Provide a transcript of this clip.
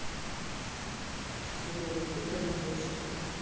ледовый путь дальнобойщиков